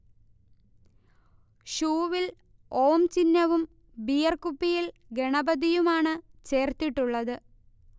ഷൂവിൽ ഓം ചിഹ്നവും ബിയർകുപ്പിയിൽ ഗണപതിയുമാണ് ചേർത്തിട്ടുള്ളത്